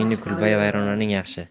o'zingning kulbayi vayronang yaxshi